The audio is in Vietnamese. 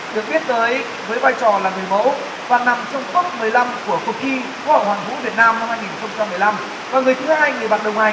được biết tới với vai trò là người mẫu và nằm trong tốp mười lăm của cuộc thi hoa hậu hoàn vũ việt nam năm hai nghìn không trăm mười lăm và người thứ hai người bạn đồng hành